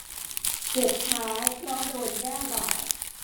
เจ็บเท้าเพราะโดนแก้วบาด